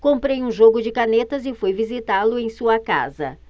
comprei um jogo de canetas e fui visitá-lo em sua casa